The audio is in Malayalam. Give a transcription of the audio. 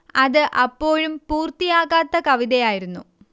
അത് അപ്പോഴും പൂർത്തിയാകാത്ത കവിതയായിരുന്നു